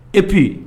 Et puis